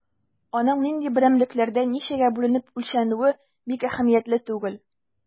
Аның нинди берәмлекләрдә, ничәгә бүленеп үлчәнүе бик әһәмиятле түгел.